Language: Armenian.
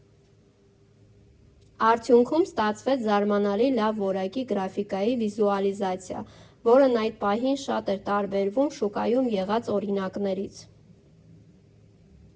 Արդյունքում ստացվեց զարմանալի լավ որակի գրաֆիկայի վիզուալիզացիա, որն այդ պահին շատ էր տարբերվում շուկայում եղած օրինակներից։